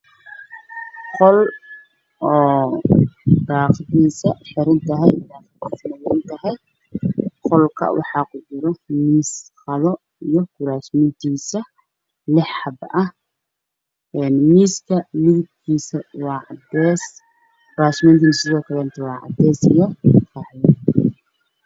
Waa qol daaqadiisu xiran tahay oo madow ah, qolka waxaa kujiro miis dhalo iyo kuraastiisa oo lix xabo ah, miiska waa cadaan, kuraasmanku waa cadeys iyo qaxwi.